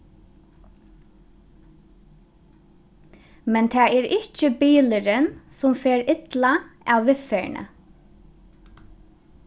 men tað er ikki bilurin sum fer illa av viðferðini